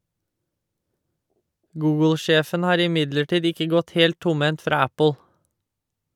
Google-sjefen har imidlertid ikke gått helt tomhendt fra Apple.